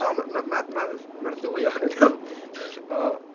O m- m- ma mae'r mae'r ddwy ohonyn nhw o hy...